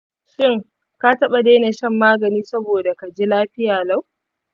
shin ka taba daina shan magani saboda kaji lafiya lau?